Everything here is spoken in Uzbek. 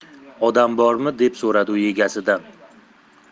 odam bormi deb so'radi uy egasidan